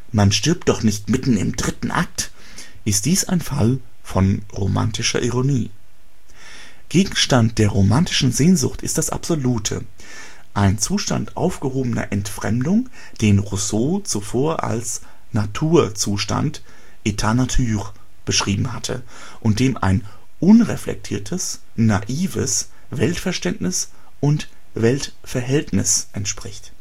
Man stirbt doch nicht mitten im dritten Akt “, ist dies ein Fall von romantischer Ironie. Gegenstand der romantischen Sehnsucht ist das Absolute, ein Zustand aufgehobener Entfremdung, den Rousseau zuvor als ' Naturzustand ' (état naturel) beschrieben hatte und dem ein unreflektiertes ' naives ' Weltverständnis und Weltverhältnis entspricht